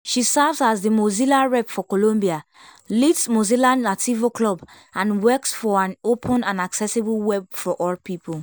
She serves as the Mozilla Rep for Colombia, leads Mozilla Nativo Club and works for an open and accessible web for all people.